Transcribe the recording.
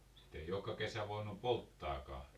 sitä ei joka kesä voinut polttaakaan